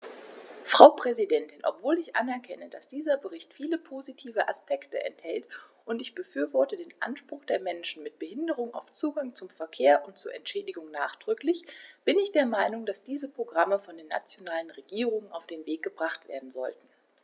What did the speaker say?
Frau Präsidentin, obwohl ich anerkenne, dass dieser Bericht viele positive Aspekte enthält - und ich befürworte den Anspruch der Menschen mit Behinderung auf Zugang zum Verkehr und zu Entschädigung nachdrücklich -, bin ich der Meinung, dass diese Programme von den nationalen Regierungen auf den Weg gebracht werden sollten.